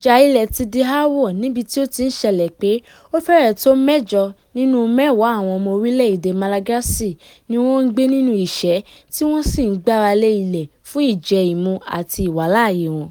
Ìjà ilẹ̀ ti di aáwọ̀ níbi tí ó ti ń ṣẹlẹ̀ pé ó fẹ́rẹ̀ tó mẹ́jọ nínú mẹ́wàá àwọn ọmọ orílẹ̀ èdè Malagasy ni wọ́n ń gbé nínú ìṣẹ́ tí wọ́n sì gbáralé ilẹ̀ fun ìjẹ-ìmu àti ìwàláàyè wọn.